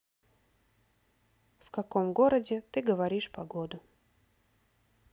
в каком городе ты говоришь погоду